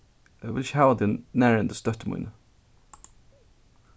eg vil ikki hava teg nærhendis dóttur míni